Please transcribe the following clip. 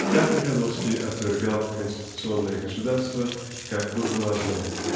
так Михайловский отвергал конституционное государство как буржуазное.